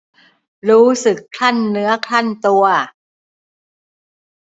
รู้สึกครั่นเนื้อครั่นตัว